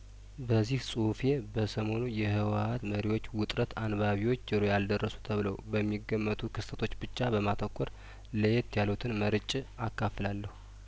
በዚህ ጹሁፌ በሰሞኑ የህወሀት መሪዎች ውጥረት አንባቢዎች ጆሮ ያልደረሱ ተብለው በሚገመቱ ክስተቶች ብቻ በማተኮር ለየት ያሉትን መርጬ አካፍላለሁ